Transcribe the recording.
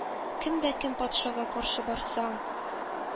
— кем дә кем патшага каршы барса,